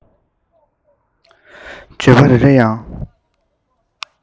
བརྗོད པ རེ རེ